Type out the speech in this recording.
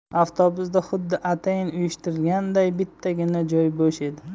avtobusda xuddi atayin uyushtirganday bittagina joy bo'sh edi